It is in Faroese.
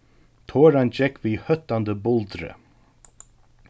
toran gekk við hóttandi buldri